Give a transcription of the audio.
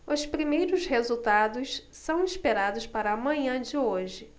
os primeiros resultados são esperados para a manhã de hoje